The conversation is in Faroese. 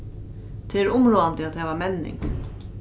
tað er umráðandi at hava menning